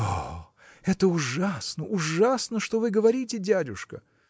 – О, это ужасно, ужасно, что вы говорите, дядюшка!